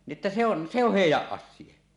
niin että se on se on heidän asia